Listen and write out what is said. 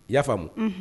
I y'a faamumu